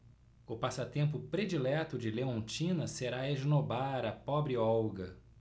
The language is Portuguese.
o passatempo predileto de leontina será esnobar a pobre olga